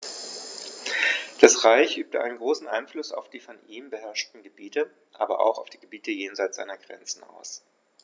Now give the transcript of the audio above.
Das Reich übte einen großen Einfluss auf die von ihm beherrschten Gebiete, aber auch auf die Gebiete jenseits seiner Grenzen aus.